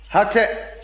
hatɛ